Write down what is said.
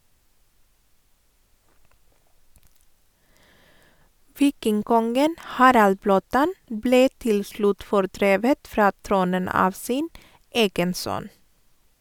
Vikingkongen Harald Blåtann ble til slutt fordrevet fra tronen av sin egen sønn.